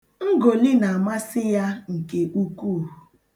Ngoli na-amasị ya nke ukwuu.